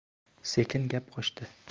sekin gap qo'shdi